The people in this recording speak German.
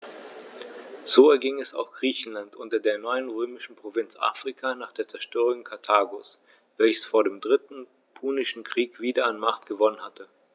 So erging es auch Griechenland und der neuen römischen Provinz Afrika nach der Zerstörung Karthagos, welches vor dem Dritten Punischen Krieg wieder an Macht gewonnen hatte.